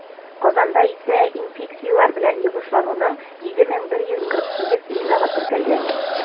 Казанда исә инфекцияләр белән йогышлануның 7148 очрагы теркәлгән.